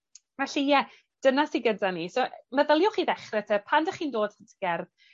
Felly ie, dyna sy gyda ni, so meddyliwch i ddechre 'te pan 'dych chi'n dod at y gerdd,